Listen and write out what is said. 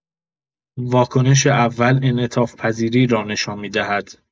واکنش اول انعطاف‌پذیری را نشان می‌دهد